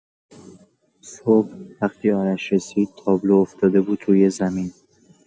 صبح وقتی آرش رسید، تابلو افتاده بود روی زمین.